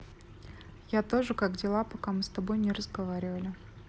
я тоже как дела пока мы с тобой не разговаривали